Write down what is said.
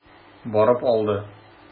Барып алды.